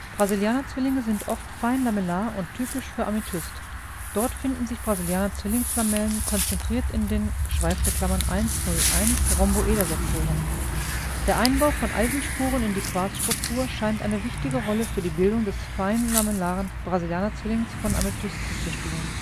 Brasilianer Zwillinge sind oft feinlamellar und typisch für Amethyst. Dort finden sich Brasilianer Zwillingslamellen konzentriert in den {1 0 1} - Rhomboedersektoren. Der Einbau von Eisenspuren in die Quarzstruktur scheint eine wichtige Rolle für die Bildung der feinlamellaren Brasilianerzwillinge von Amethysten zu spielen